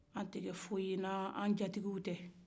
an tɛ kɛ foyi ye n'an jatikiw tɛ